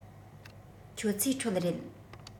ཁྱོད ཚོས ཁྲོད རེད